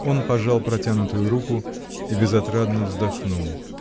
Он пожал протянутую руку и безотрадно вздохнул.